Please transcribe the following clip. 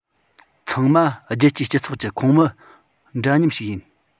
ཚང མ རྒྱལ སྤྱིའི སྤྱི ཚོགས ཀྱི ཁོངས མི འདྲ མཉམ ཞིག ཡིན